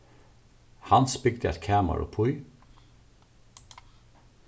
hans bygdi eitt kamar uppí